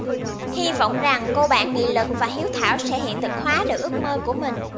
hy vọng rằng cô bạn nghị lực và hiếu thảo sẽ hiện thực hóa được ước mơ của mình